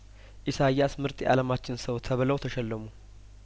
ኢሳያስምርጥ የአለማችን ሰው ተብለው ተሸለሙ